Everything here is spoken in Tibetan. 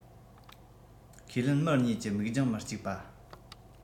ཁས ལེན མི གཉིས ཀྱི མིག རྒྱང མི གཅིག པ